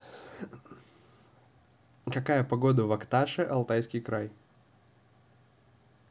какая погода в акташе алтайский край